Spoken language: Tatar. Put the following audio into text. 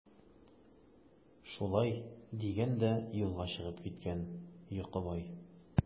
Шулай дигән дә юлга чыгып киткән Йокыбай.